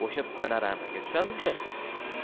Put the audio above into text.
o'sha panoramaga tushamiz da